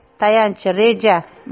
tayanch reja